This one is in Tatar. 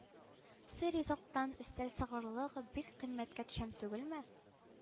Сый-ризыктан өстәл сыгылырлык бик кыйммәткә төшәм түгелме